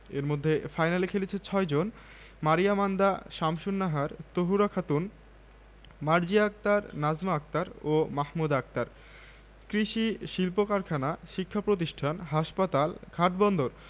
এর মধ্যে ফাইনালে খেলেছে ৬ জন মারিয়া মান্দা শামসুন্নাহার তহুরা খাতুন মার্জিয়া আক্তার নাজমা আক্তার ও মাহমুদা আক্তার কৃষি শিল্পকারখানা শিক্ষাপ্রতিষ্ঠান হাসপাতাল ঘাট বন্দর